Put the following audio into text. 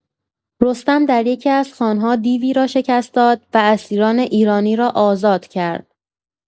رستم در یکی‌از خوان‌ها دیوی را شکست داد و اسیران ایرانی را آزاد کرد.